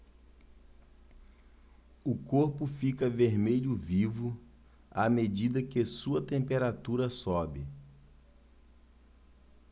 o corpo fica vermelho vivo à medida que sua temperatura sobe